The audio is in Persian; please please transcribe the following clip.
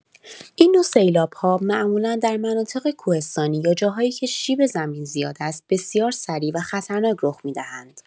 این نوع سیلاب‌ها معمولا در مناطق کوهستانی یا جاهایی که شیب زمین زیاد است، بسیار سریع و خطرناک رخ می‌دهند.